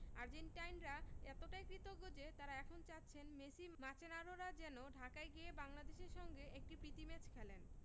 আর্জেন্টাইনরা এতটাই কৃতজ্ঞ যে তাঁরা এখন চাচ্ছেন মেসি মাচেরানোরা যেন ঢাকায় গিয়ে বাংলাদেশের সঙ্গে একটি প্রীতি ম্যাচ খেলেন